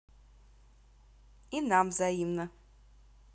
и нам взаимно